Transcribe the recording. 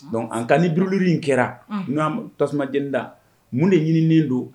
Dɔnku an ka ni biril in kɛra n tasuma j la mun de ɲininnen don